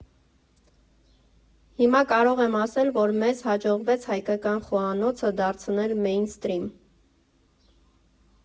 Հիմա կարող եմ ասել, որ մեզ հաջողվեց հայկական խոհանոցը դարձնել «մեյնսթրիմ»։